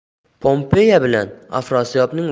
pompeya bilan afrosiyobning